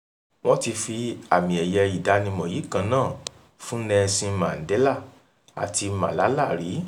Wọ́n ti fi àmì-ẹ̀yẹ ìdánimọ̀ yìí kan náà fún Nelson Mandela àti Malala rí.